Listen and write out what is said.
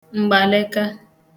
m̀gbàlèeka